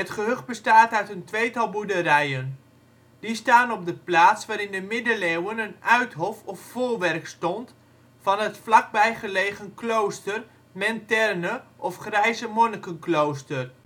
gehucht bestaat uit een tweetal boerderijen. Die staan op de plaats waar in de Middeleeuwen een uithof of voorwerk stond van het vlakbij gelegen klooster Menterne of Grijze Monnikenklooster